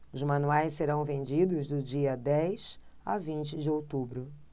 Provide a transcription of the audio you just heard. os manuais serão vendidos do dia dez a vinte de outubro